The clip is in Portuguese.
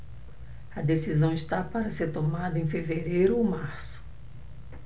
a decisão está para ser tomada em fevereiro ou março